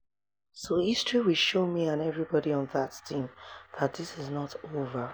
So history will show me and everybody on that team that this is not over.